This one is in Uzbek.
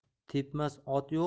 tepmas ot yo'q